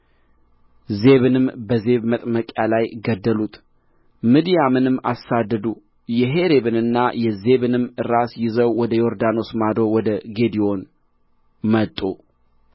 ዜብንም በዜብ መጥመቂያ ላይ ገደሉት ምድያምንም አሳደዱ የሔሬብንና የዜብንም ራስ ይዘው ወደ ዮርዳኖስ ማዶ ወደ ጌዴዎን መጡ